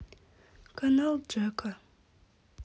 канал джека